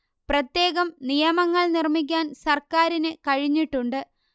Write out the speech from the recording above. പ്രത്യേകം നിയമങ്ങൾ നിർമ്മിക്കാൻ സർക്കാരിന് കഴിഞ്ഞിട്ടുണ്ട്